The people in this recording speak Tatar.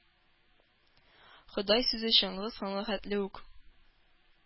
“ходай“ сүзе чыңгыз ханга хәтле үк